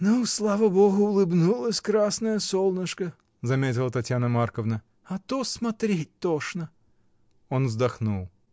— Ну, слава Богу, улыбнулось красное солнышко! — заметила Татьяна Марковна. — А то смотреть тошно. Он вздохнул.